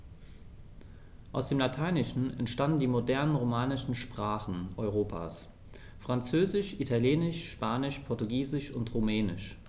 Aus dem Lateinischen entstanden die modernen „romanischen“ Sprachen Europas: Französisch, Italienisch, Spanisch, Portugiesisch und Rumänisch.